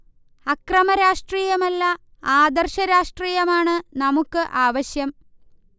അക്രമ രാഷ്ട്രീയമല്ല ആദർശ രാഷട്രീയമാണ് നമുക്ക് ആവശ്യം